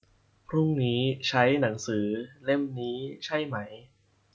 พรุ่งนี้ใช้หนังสือเล่มนี้ใช่ไหม